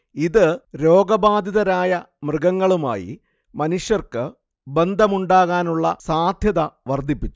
ഇത് രോഗബാധിതരായ മൃഗങ്ങളുമായി മനുഷ്യർക്ക് ബന്ധമുണ്ടാകാനുള്ള സാദ്ധ്യത വർദ്ധിപ്പിച്ചു